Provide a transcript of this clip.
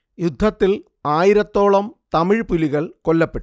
യുദ്ധത്തിൽ ആയിരത്തോളം തമിഴ് പുലികൾ കൊല്ലപ്പെട്ടു